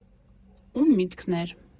Ո՞ւմ միտքն էր։